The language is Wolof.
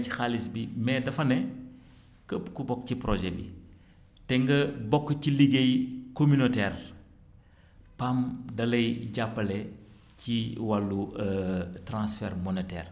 ci xaalis bi mais dafa ne képp ku bokk ci projet bi te nga bokk ci liggéey communautaire PAM da lay jàppale ci wàllu transfert monétaire